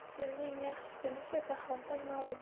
yilning yaxshi kelishi bahordan ma'lum